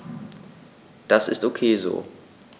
Das ist ok so.